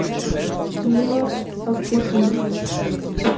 дима евтушенко